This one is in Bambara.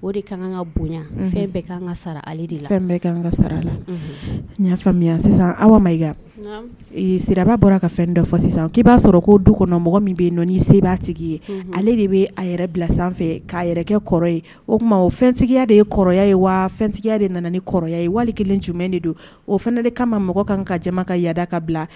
o de ka kan ka bonya fɛn bɛ ka ka sara ale de ka sara la n y'a faamuya sisan aw ma siraba bɔra ka fɛn dɔ fɔ sisan k'i b'a sɔrɔ ko dukɔnɔ mɔgɔ min bɛ' se b' tigi ye ale de bɛ a yɛrɛ bila sanfɛ k'a yɛrɛ kɔrɔ ye o tuma o fɛntigiya de ye kɔrɔ ye wa fɛntigiya de nana ni kɔrɔya ye wali kelen jumɛn de don o fana de kama mɔgɔ kan ka jama ka yaada ka bila